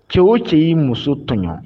Cɛ wo cɛ yi muso tɔɲɔ.